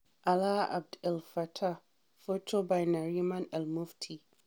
Alaa Abd El Fattah, photo by Nariman El-Mofty.